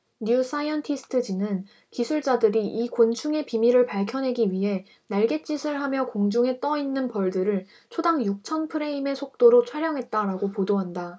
뉴 사이언티스트 지는 기술자들이 이 곤충의 비밀을 밝혀내기 위해 날갯짓을 하며 공중에 떠 있는 벌들을 초당 육천 프레임의 속도로 촬영했다라고 보도한다